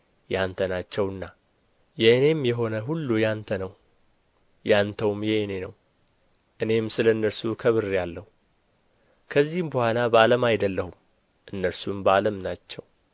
የአንተ ናቸውና የእኔም የሆነ ሁሉ የአንተ ነው የአንተውም የእኔ ነው እኔም ስለ እነርሱ ከብሬአለሁ ከዚህም በኋላ በዓለም አይደለሁም እነርሱም በዓለም ናቸው